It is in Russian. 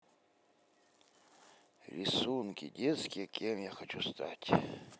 рисунки детские кем я хочу стать